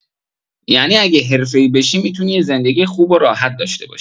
یعنی اگه حرفه‌ای بشی، می‌تونی یه زندگی خوب و راحت داشته باشی.